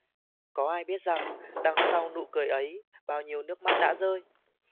có ai biết rằng đằng sau nụ cười ấy bao nhiêu nước mắt đã rơi